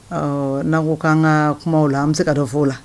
Ɔ n'an ko k'an ka kuma la an bɛ se ka dɔn fɔ la